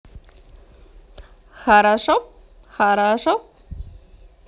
хорошо хорошо